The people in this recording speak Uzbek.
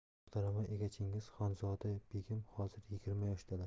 muhtarama egachingiz xonzoda begim hozir yigirma yoshdalar